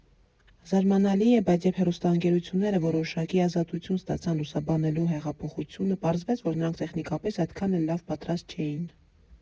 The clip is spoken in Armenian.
Զարմանալի է, բայց երբ հեռուստաընկերությունները որոշակի ազատություն ստացան լուսաբանելու հեղափոխությունը, պարզվեց, որ նրանք տեխնիկապես այդքան էլ լավ պատրաստ չէին։